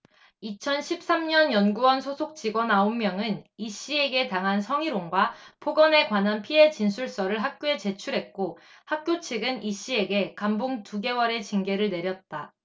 이천 십 삼 년 연구원 소속 직원 아홉 명은 이씨에게 당한 성희롱과 폭언에 관한 피해 진술서를 학교에 제출했고 학교 측은 이씨에게 감봉 두 개월의 징계를 내렸다